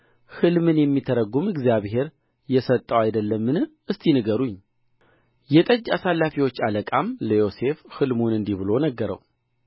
ሕልምን የሚተረጕም እግዚአብሔር የሰጠው አይደለምን እስቲ ንገሩኝ የጠጅ አሳላፊዎች አለቃም ለዮሴፍ ሕልሙን እንዲህ ብሎ ነገረው